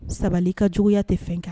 Sabali i ka juguyaya tɛ fɛn kan